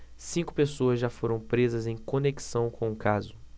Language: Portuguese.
cinco pessoas já foram presas em conexão com o caso